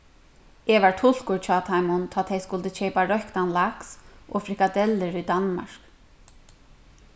eg var tulkur hjá teimum tá tey skuldu keypa royktan laks og frikadellur í danmark